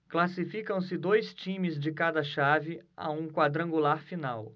classificam-se dois times de cada chave a um quadrangular final